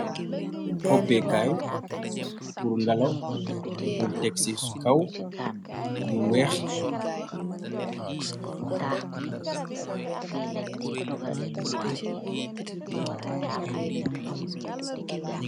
Opekaay pur ngalaw, buñ tek si kaw lu weex.